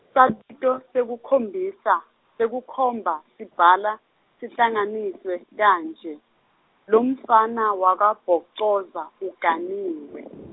sabito sekukhombisa, sekukhomba, sibhala, sihlanganiswe kanje, lomfana wakaBhocoza uganiwe.